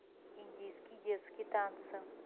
индийские детские танцы